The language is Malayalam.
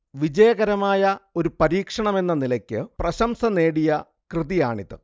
വിജയകരമായ ഒരു പരീക്ഷണമെന്ന നിലയ്ക്ക് പ്രശംസ നേടിയ കൃതിയാണിത്